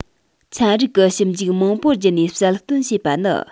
ཚན རིག གི ཞིབ འཇུག མང པོ བརྒྱུད ནས གསལ སྟོན བྱས པ ནི